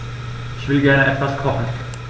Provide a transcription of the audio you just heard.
Ich will gerne etwas kochen.